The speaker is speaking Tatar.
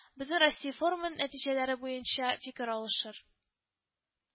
Бөтенроссия форумы нәтиҗәләре буенча фикер алышыр